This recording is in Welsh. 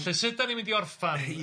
Felly sut dan ni'n mynd i orffen yy?